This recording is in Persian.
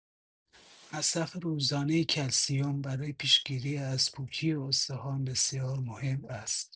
مصرف روزانه کلسیم برای پیش‌گیری از پوکی استخوان بسیار مهم است.